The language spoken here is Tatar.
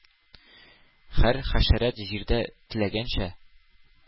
Һәр хәшәрәт җирдә теләгәнчә